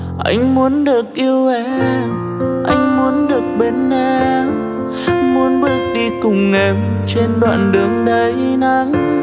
anh muốn được yêu em anh muốn được bên em muốn bước đi cùng em trên đoạn đường đầy nắng